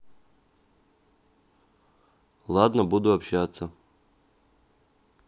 ладно буду общаться